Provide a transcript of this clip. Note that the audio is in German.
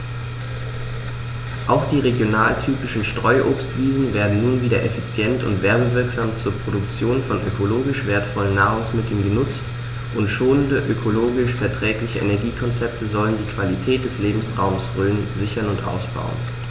Auch die regionaltypischen Streuobstwiesen werden nun wieder effizient und werbewirksam zur Produktion von ökologisch wertvollen Nahrungsmitteln genutzt, und schonende, ökologisch verträgliche Energiekonzepte sollen die Qualität des Lebensraumes Rhön sichern und ausbauen.